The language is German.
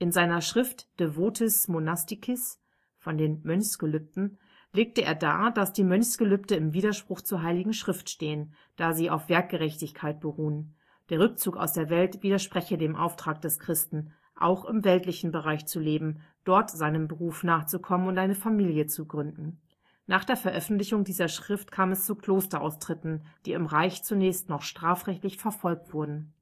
seiner Schrift De votis monasticis („ Von den Mönchsgelübden “) legte er dar, dass die Mönchsgelübde im Widerspruch zur Heiligen Schrift stehen, da sie auf Werkgerechtigkeit beruhen. Der Rückzug aus der Welt widerspreche dem Auftrag des Christen, auch im weltlichen Bereich zu leben, dort seinem Beruf nachzukommen und eine Familie zu gründen. Nach der Veröffentlichung dieser Schrift kam es zu Klosteraustritten, die im Reich zunächst noch strafrechtlich verfolgt wurden